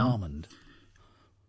Almond.